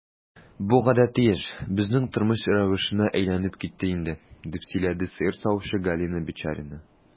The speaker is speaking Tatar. Бу гадәти эш, безнең тормыш рәвешенә әйләнеп китте инде, - дип сөйләде сыер савучы Галина Бичарина.